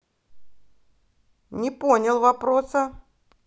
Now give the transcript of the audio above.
не понял вопроса